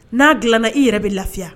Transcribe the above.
N'a dilan i yɛrɛ bɛ lafiya